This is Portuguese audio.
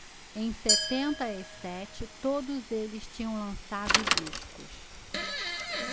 em setenta e sete todos eles tinham lançado discos